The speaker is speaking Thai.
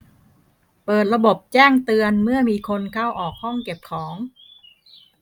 เปิดระบบแจ้งเตือนเมื่อมีคนเข้าออกห้องเก็บของ